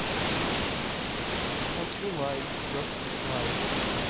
хочу лайк ростик лайк